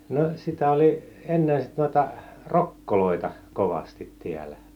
no sitä oli ennen noita rokkoja kovasti täällä